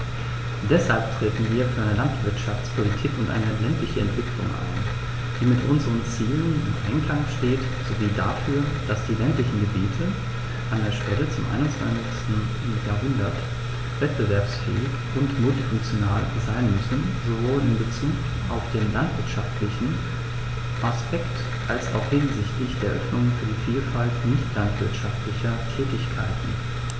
Deshalb treten wir für eine Landwirtschaftspolitik und eine ländliche Entwicklung ein, die mit unseren Zielen im Einklang steht, sowie dafür, dass die ländlichen Gebiete an der Schwelle zum 21. Jahrhundert wettbewerbsfähig und multifunktional sein müssen, sowohl in Bezug auf den landwirtschaftlichen Aspekt als auch hinsichtlich der Öffnung für die Vielfalt nicht landwirtschaftlicher Tätigkeiten.